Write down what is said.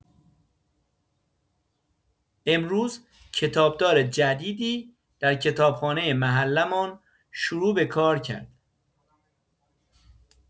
امروز کتاب‌دار جدیدی در کتابخانه محله‌مان شروع به کار کرد.